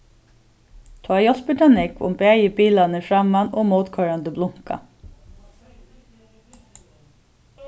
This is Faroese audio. tá hjálpir tað nógv um bæði bilarnir framman og mótkoyrandi blunka